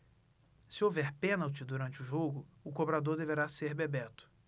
se houver pênalti durante o jogo o cobrador deverá ser bebeto